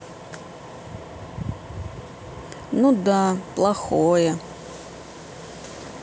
ну да плохое